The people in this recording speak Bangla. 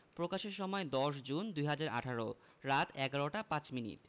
প্রকাশের সময় ১০ জুন ২০১৮ রাত ১১টা ৫ মিনিট